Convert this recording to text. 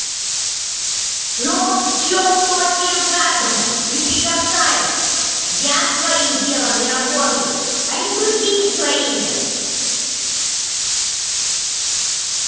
ну че кто чем каждому не прикасаюсь я своим делом не работаю а не другими своими